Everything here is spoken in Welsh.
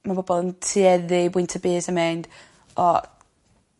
ma' bobol yn tueddi i bwynto bys a mynd o